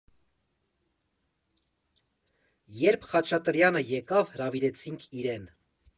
Երբ Խաչատրյանը եկավ, հրավիրեցինք իրեն։